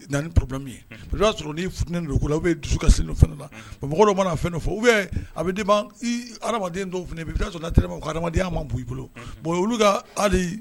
A sɔrɔ dusu ka la fɛn adenma ha adamadenya ma i bon olu